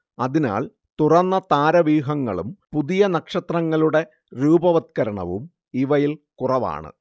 അതിനാൽ തുറന്ന താരവ്യൂഹങ്ങളും പുതിയ നക്ഷത്രങ്ങളുടെ രൂപവത്കരണവും ഇവയിൽ കുറവാണ്